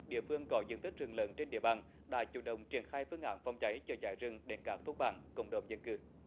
địa phương có diện tích rừng lớn trên địa bàn đã chủ động triển khai phương án phòng cháy chữa cháy rừng đến các thôn bản cộng đồng dân cư